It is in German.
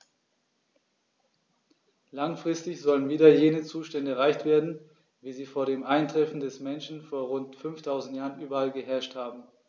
Langfristig sollen wieder jene Zustände erreicht werden, wie sie vor dem Eintreffen des Menschen vor rund 5000 Jahren überall geherrscht haben.